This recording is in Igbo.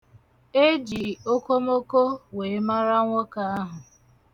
Eji okomoko wee mara nwoke ahụ.